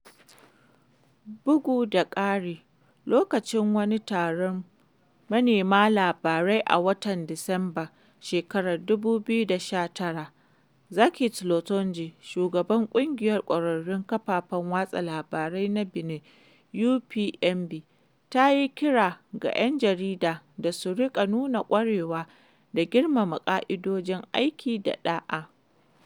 Bugu da ƙari, lokacin wani taron manema labarai a watan Disambar 2019, Zakiath Latondji, shugaban ƙungiyar ƙwararrun kafafen watsa labarai na Benin (UPMB), ta yi kira ga ‘yan jarida da su ringa nuna ƙwarewa da girmama ƙa’idojin aiki da ɗa'a.